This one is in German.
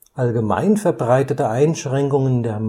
Allgemein verbreitete Einschränkungen der